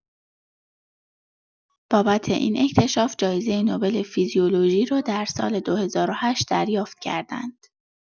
بابت این اکتشاف جایزه نوبل فیزیولوژی رو در سال ۲۰۰۸ دریافت کردند.